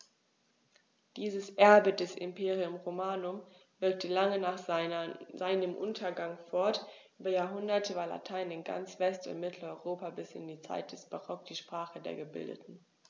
Dieses Erbe des Imperium Romanum wirkte lange nach seinem Untergang fort: Über Jahrhunderte war Latein in ganz West- und Mitteleuropa bis in die Zeit des Barock die Sprache der Gebildeten.